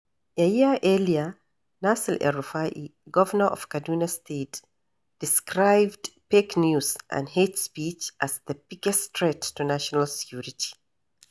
A year earlier, Nasir El-Rufai, governor of Kaduna State, described fake news and hate speech as the "biggest threat" to national security.